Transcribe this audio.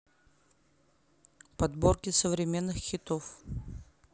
подборки современных хитов